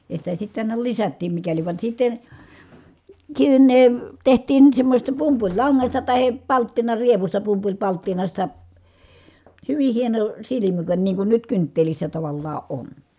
ja sitä sitten aina lisättiin mikäli vaan sitten sinne tehtiin semmoisesta pumpulilangasta tai palttinarievusta pumpulipalttinasta hyvin hieno silmykän niin kuin nyt kynttilässä tavallaan on